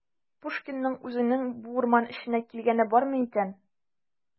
Пушкинның үзенең бу урман эченә килгәне бармы икән?